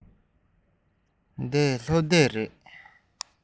འདི སློབ དེབ རེད